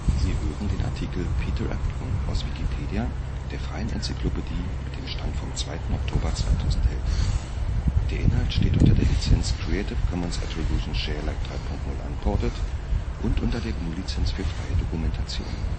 Sie hören den Artikel Peter Ebdon, aus Wikipedia, der freien Enzyklopädie. Mit dem Stand vom Der Inhalt steht unter der Lizenz Creative Commons Attribution Share Alike 3 Punkt 0 Unported und unter der GNU Lizenz für freie Dokumentation